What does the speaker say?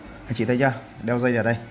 anh chị thấy chưa đeo giây vào đây